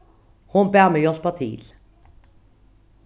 hon bað meg hjálpa til